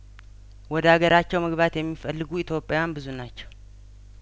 ወደ አገራቸው መግባት የሚፈልጉ ኢትዮጵያን ብዙ ናቸው